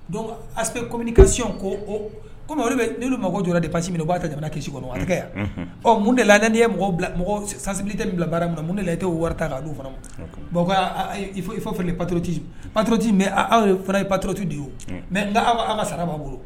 Don aseke kɔmi ka s ko kɔmi bɛ'olu mago jɔ de pasi minɛ b'a ka jamana kisisi kɔnɔ wɛrɛkɛ yan ɔ mun de la n' ye sanbi tɛ bila baara minna na mun de la i'o wari ta k'a don fana bɔn fa falen pattoroti patoroti mɛ aw ye fana ye patoroti de ye mɛ n an ka sara b'a bolo